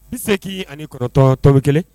89.1